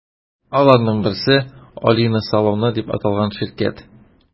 Аларның берсе – “Алина салоны” дип аталган ширкәт.